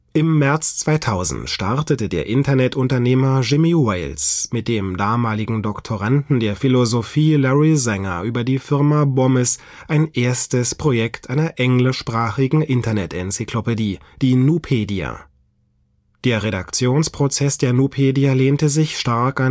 Im März 2000 startete der Internet-Unternehmer Jimmy Wales mit dem damaligen Doktoranden der Philosophie Larry Sanger über die Firma Bomis ein erstes Projekt einer englischsprachigen Internet-Enzyklopädie, die Nupedia. Der Redaktionsprozess der Nupedia lehnte sich stark